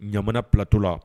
Ɲamana ptɔ la